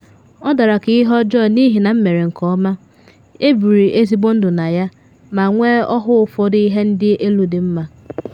Ọ dara ka ihe ọjọọ n’ihi na m mere nke ọma, ebiri ezigbo ndụ na ya, ma nwee ọhụụ ụfọdụ ihe ndị elu dị mma.